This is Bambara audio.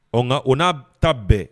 Ɔ nka o n'a ta bɛɛ